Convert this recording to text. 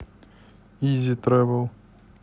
изи трэвел